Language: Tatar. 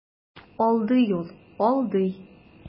Алдый ул, алдый.